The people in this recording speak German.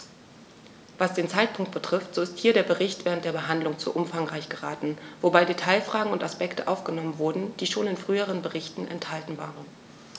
Was den Zeitpunkt betrifft, so ist hier der Bericht während der Behandlung zu umfangreich geraten, wobei Detailfragen und Aspekte aufgenommen wurden, die schon in früheren Berichten enthalten waren.